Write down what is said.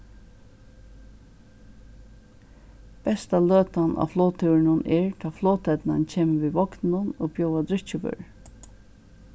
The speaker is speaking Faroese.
besta løtan á flogtúrinum er tá flogternan kemur við vogninum og bjóðar drykkjuvørur